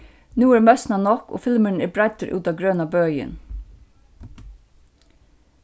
nú er møsnað nokk og filmurin er breiddur út á grøna bøin